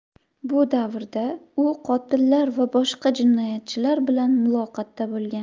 bu davrda u qotillar va boshqa jinoyatchilar bilan muloqotda bo'lgan